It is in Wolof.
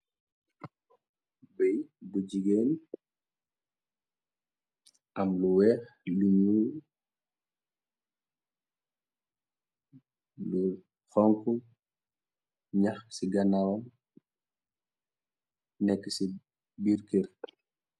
Bëy bu jigéen, am lu weex, lu ñuul, lu xonxu, ñax ci ganaamam nekk ci biir kër.